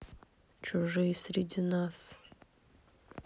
чужие среди нас